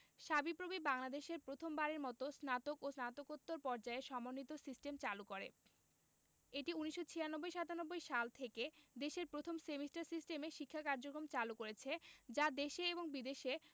সাবিপ্রবি বাংলাদেশে প্রথম বারের মতো স্নাতক এবং স্নাতকোত্তর পর্যায়ে সমন্বিত সিস্টেম চালু করে এটি ১৯৯৬ ৯৭ সাল থেকে দেশের প্রথম সেমিস্টার সিস্টেমে শিক্ষা কার্যক্রম চালু করেছে যা দেশে এবং বিদেশে